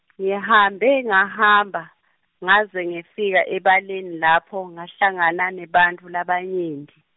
ngihambe, ngahamba, ngaze ngefika ebaleni lapho ngahlangana nebantfu labanyenti.